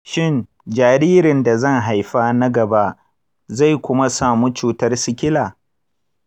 shin jaririn da zan haifa na gaba zai kuma samun cutar sikila?